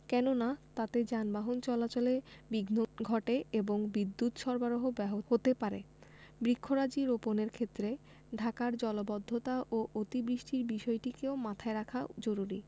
কেননা তাতে যানবাহন চলাচলে বিঘ্ন ঘটে এবং বিদ্যুত সরবরাহ ব্যাহত হতে পারে বৃক্ষরাজি রোপণের ক্ষেত্রে ঢাকার জলাবদ্ধতা ও অতি বৃষ্টির বিষয়টিও মাথায় রাখা জরুরী